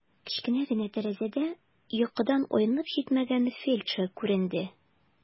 Кечкенә генә тәрәзәдә йокыдан айнып җитмәгән фельдшер күренде.